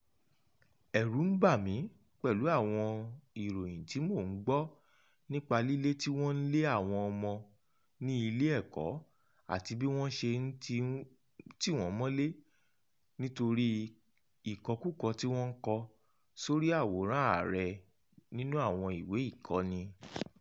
Ẹ̀rù ń bà mí pẹ̀lú àwọn ìròyìn tí mò ń gbọ́ nípa lílé tí wọ́n ń lé àwọn ọmọ ní ilé-ẹ̀kọ́ àti bí wọ́n ṣe ń tì wọ́n mọ́lé nítorí ìkọkúkọ tí wọ́n kọ sórí àwòrán Ààrẹ nínú àwọn ìwé ìkọ́ni.